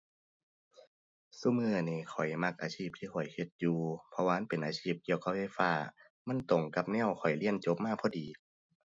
ซุมื้อนี้ข้อยมักอาชีพที่ข้อยเฮ็ดอยู่ เพราะว่ามันเป็นอาชีพเกี่ยวกับไฟฟ้า มันตรงกับแนวข้อยเรียนจบมาพอดี